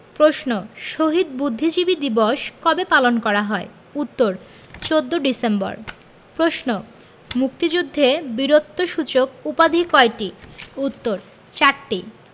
প্রশ্ন শহীদ বুদ্ধিজীবী দিবস কবে পালন করা হয় উত্তর ১৪ ডিসেম্বর প্রশ্ন মুক্তিযুদ্ধে বীরত্বসূচক উপাধি কয়টি উত্তর চারটি